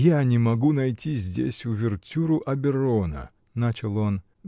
-- Я не мог найти здесь увертюру "Оберона", -- начал он.